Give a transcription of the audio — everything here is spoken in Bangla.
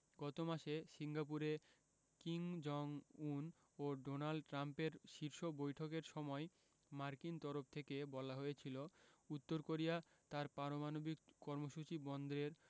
গত মাসে সিঙ্গাপুরে কিম জং উন ও ডোনাল্ড ট্রাম্পের শীর্ষ বৈঠকের সময় মার্কিন তরফ থেকে বলা হয়েছিল উত্তর কোরিয়া তার পারমাণবিক কর্মসূচি বন্ধের